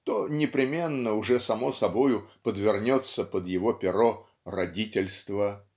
то непременно уже само собою подвернется под его перо "родительство"